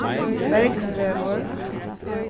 bergsvegur